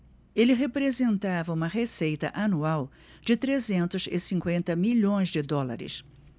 ele representava uma receita anual de trezentos e cinquenta milhões de dólares